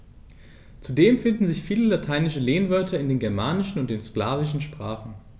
Zudem finden sich viele lateinische Lehnwörter in den germanischen und den slawischen Sprachen.